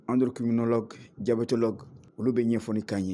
Andocrinologue, diabètologue olu bɛ ɲɛfɔli kɛ an ye.